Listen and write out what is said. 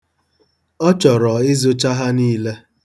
Ọ chọrọ ịzucha ha niile.